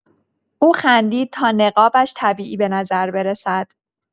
او خندید تا نقابش طبیعی به نظر برسد.